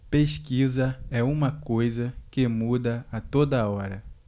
pesquisa é uma coisa que muda a toda hora